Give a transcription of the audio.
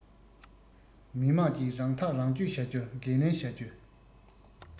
མི དམངས ཀྱིས རང ཐག རང གཅོད བྱ རྒྱུར འགན ལེན བྱ རྒྱུ